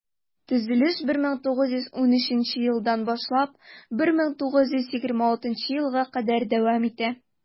Төзелеш 1913 елдан башлап 1926 елга кадәр дәвам итә.